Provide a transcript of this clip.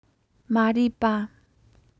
མ རེད པ